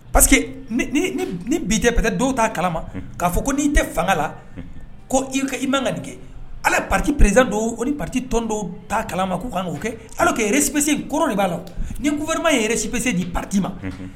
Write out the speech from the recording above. Pa ni bi patɛ don t'a kalama k'a fɔ ko n'i tɛ fanga la ko i ma nin kɛ ala paki pererez don ni pati tɔn dɔw ba kalama k' ala erepse kɔrɔ de b'a la ni koma yeresipse di paki ma